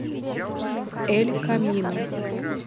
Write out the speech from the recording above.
эль камино